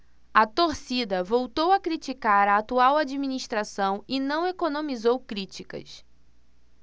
a torcida voltou a criticar a atual administração e não economizou críticas